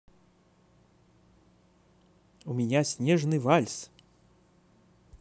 у меня снежный вальс